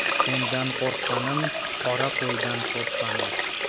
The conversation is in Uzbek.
sendan qo'rqqanim qora qo'ydan qo'rqqanim